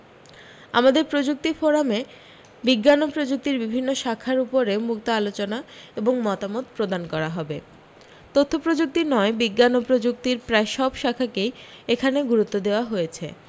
আমাদের প্রযুক্তি ফোরামে বিজ্ঞান ও প্রযুক্তির বিভিন্ন শাখার উপরে মুক্ত আলোচনা এবং মতামত প্রদান করা যাবে তথ্যপ্রযুক্তি নয় বিজ্ঞান ও প্রযুক্তির প্রায় সব শাখাকেই এখানে গুরুত্ব দেয়া হয়েছে